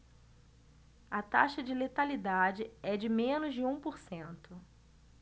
a taxa de letalidade é de menos de um por cento